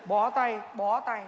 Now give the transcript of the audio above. bó tay bó tay